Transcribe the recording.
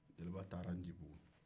jeliba taara ncibugu